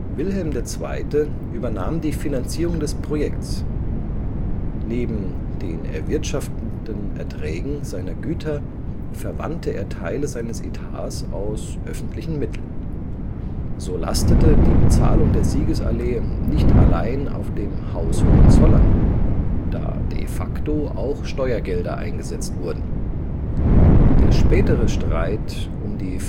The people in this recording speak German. Wilhelm II. übernahm die Finanzierung des Projekts. Neben den erwirtschafteten Erträgen seiner Güter verwandte er Teile seines Etats aus öffentlichen Mitteln. So lastete die Bezahlung der Siegesallee nicht allein auf dem Haus Hohenzollern, da de facto auch Steuergelder eingesetzt wurden. Der spätere Streit um die